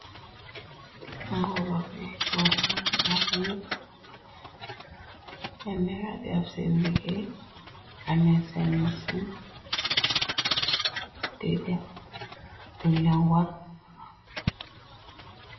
Mboolo bi korub neka yepp te mea def seen liggéey ame seen masin te def du len war.